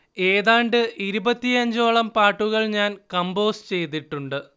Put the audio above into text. ഏതാണ്ട് ഇരുപത്തിയഞ്ചോളം പാട്ടുകൾ ഞാൻ കമ്പോസ് ചെയ്തിട്ടുണ്ട്